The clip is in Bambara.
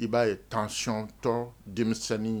I b'a ye 1ctɔn denmisɛnnin ye